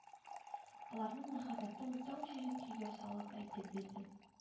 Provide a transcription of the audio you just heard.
Аларның мәхәббәтен таң җиле көйгә салып әйтеп бирде